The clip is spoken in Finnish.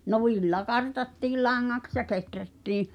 no villa kartattiin langaksi ja kehrättiin